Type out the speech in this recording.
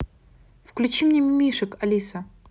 включи мне мимимишек алиса